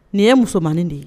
Nin ye musomanin de ye